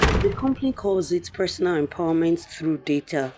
The company calls it "personal empowerment through data."